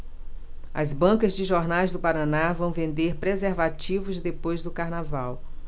as bancas de jornais do paraná vão vender preservativos depois do carnaval